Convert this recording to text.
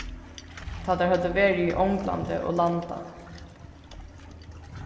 tá teir høvdu verið í onglandi og landað